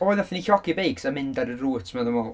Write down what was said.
Oedd wnaethon ni'n llogi beics a mynd ar y route 'ma dwi'n meddwl...